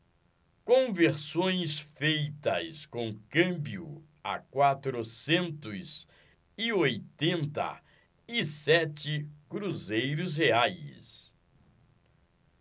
conversões feitas com câmbio a quatrocentos e oitenta e sete cruzeiros reais